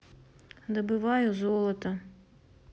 добываю золото